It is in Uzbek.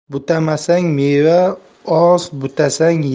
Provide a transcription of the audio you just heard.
butamasang meva oz butasang